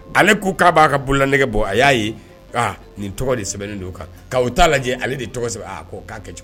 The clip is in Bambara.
Ale ko k'a b'a ka bolola nɛgɛgɛ bɔ a y'a ye nin tɔgɔ de sɛbɛnnen don kan' u t'a lajɛ ale de tɔgɔ sɛbɛn a k'a kɛ cogo